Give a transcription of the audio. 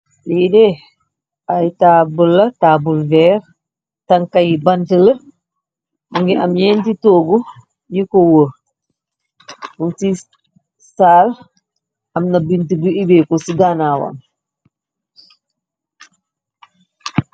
liidee ay taabla tabul veer tankay bantël m ngi am yennti tóogu ñi ko wóor bun ci staal am na binti bu ibéko ci ganawam